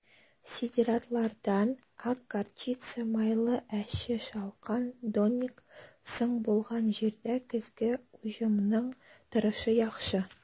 Сидератлардан (ак горчица, майлы әче шалкан, донник) соң булган җирдә көзге уҗымның торышы яхшы.